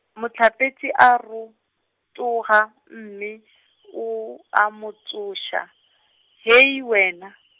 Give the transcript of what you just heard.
mohlapetši a rotoga mme o a mo tsoša, Hei wena.